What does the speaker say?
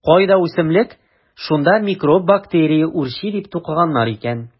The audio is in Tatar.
Кайда үсемлек - шунда микроб-бактерия үрчи, - дип тукыганнар икән.